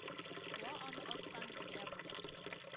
Куа аны арттан, ядрә булып,